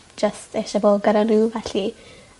jyst isie bod gyda n'w felly